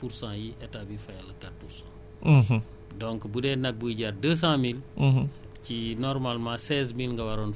vétérinaires yi xayma ko ne li nga wax loolu la ñu assurer ko ci huit pour cent nga fay quatre pour cent yi état bi fayal la quatre pour cent